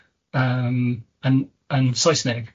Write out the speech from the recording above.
yym, yn yn Saesneg